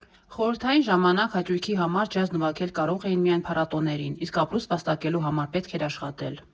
Խորհրդային ժամանակ հաճույքի համար ջազ նվագել կարող էին միայն փառատոներին, իսկ ապրուստ վաստակելու համար պետք էր աշխատել։